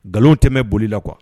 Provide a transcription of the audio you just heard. Nkalon tɛ boli la qu kuwa